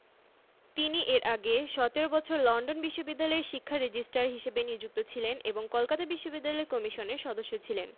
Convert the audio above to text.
তিনি এর আগে ১৭ বছর লন্ডন বিশ্ববিদ্যালয়ের শিক্ষা রেজিস্ট্রার হিসেবে নিযুক্ত ছিলেন এবং কলকাতা বিশ্ববিদ্যালয় কমিশনের সদস্য ছিলেন